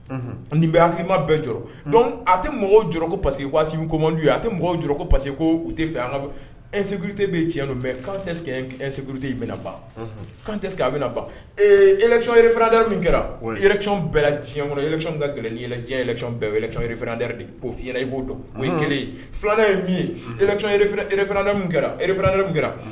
Nin bɛ tigima bɛɛ jɔ a tɛ jɔkɔ pa que waako man a tɛ mɔgɔw jɔkɔ pa que tɛ fɛgkute bɛ tiɲɛɲɛn mɛ tɛte ban tɛ a bɛna ban eɔn yɛrɛ kɛra ereɔn bɛɛ kɔnɔ ec ka gɛlɛn ko fi i b'o dɔn o kelen filanan ye ye kɛra kɛra